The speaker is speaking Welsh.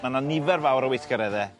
Ma' 'na nifer fawr o weithgaredde.